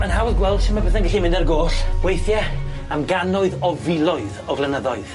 Mae'n hawdd gweld sut ma' pethe'n gallu mynd ar goll, weithie am gannoedd o filoedd o flynyddoedd.